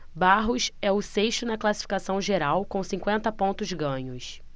barros é o sexto na classificação geral com cinquenta pontos ganhos